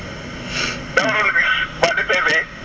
daa waroon ni waa DPV